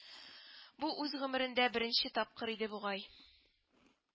Бу үз гомерендә беренче тапкыр иде бугай